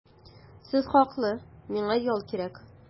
Сез хаклы, миңа ял кирәк.